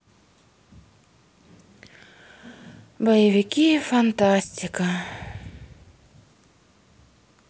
боевики фантастика